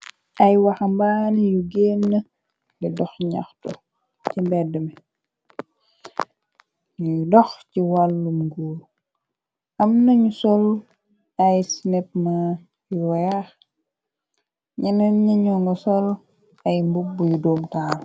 Ay waxambaani yu génn di dox ñaxtu ci mbédd mi, nyi dox ci wàllum nguur, am na ñu sol ay selekma yu weex, ñene ñaño nga sol ay mbobbu yu doomtaal.